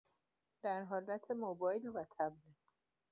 در حالت موبایل و تبلیت